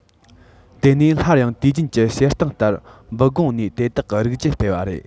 དེ ནས སླར ཡང དུས རྒྱུན གྱི བྱེད སྟངས ལྟར འབུ སྒོང ནས དེ དག གི རིགས རྒྱུད སྤེལ བ རེད